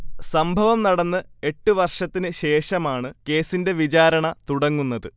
സംഭവം നടന്ന് എട്ടു വർഷത്തിന് ശേഷമാണ് കേസിന്റെ വിചാരണ തുടങ്ങുന്നത്